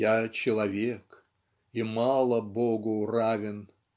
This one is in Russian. Я - человек и мало Богу равен.